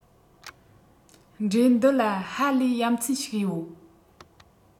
འབྲས འདི ལ ཧ ལས ཡ མཚན ཞིག ཡོད